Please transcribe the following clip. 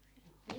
juu